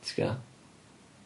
Ti'g'o'?